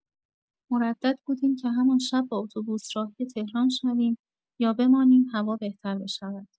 مردد بودیم که همان شب با اتوبوس راهی تهران شویم یا بمانیم هوا بهتر بشود.